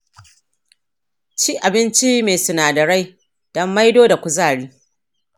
ci abinci mai sinadarai don maido da kuzari